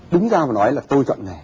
đúng ra mà nói là tôi chọn nghề